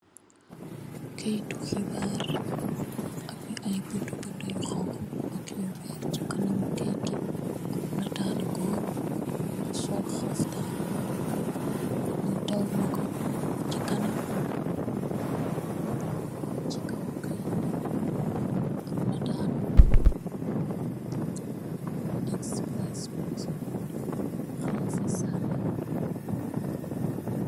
Kayiti xibaar, yu am ay bindi yu xonxu, kayit ngi am nataal lu goor, sol xaftaan, nyu daw me ko, si kow, cee kanaam, ci kow kayit bi, am nataalu "ex"baayis peresidaan, Xalifa Saala.